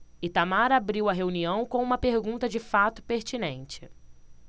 itamar abriu a reunião com uma pergunta de fato pertinente